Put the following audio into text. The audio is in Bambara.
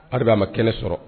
Hali bi a ma kɛnɛ sɔrɔ